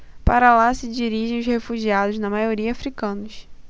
para lá se dirigem os refugiados na maioria hútus